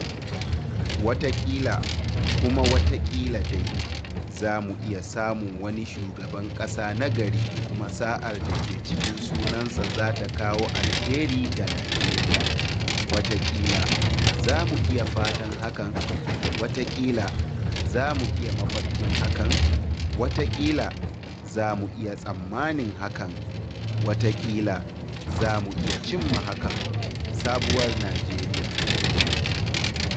Wataƙila, kuma wataƙila dai, za mu iya samun wani Shugaban ƙasa na gari kuma sa’ar da ke cikin sunansa za ta kawo alheri ga Najeriya, wataƙila, za mu iya fatan hakan, wataƙila, za mu iya mafarkin hakan, wataƙila, za mu iya tsammanin hakan, wataƙila, za mu iya cimma hakan – Sabuwar Najeriya.